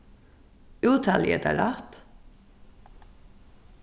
úttali eg tað rætt